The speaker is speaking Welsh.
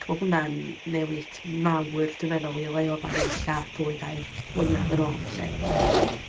Ac ma' hwnna'n newid mawr, dwi'n meddwl, i le oeddan ni ella 2 3 blynedd yn ôl 'lly.